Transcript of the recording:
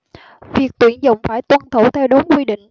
việc tuyển dụng phải tuân thủ theo đúng quy định